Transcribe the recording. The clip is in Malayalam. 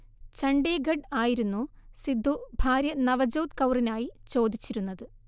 ഛണ്ഡീഗഡ് ആയിരുന്നു സിദ്ധു ഭാര്യ നവജ്യോത് കൗറിനായി ചോദിച്ചിരുന്നത്